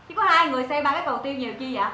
chỉ có hai người xây ba cái cầu tiêu nhiều chi dạ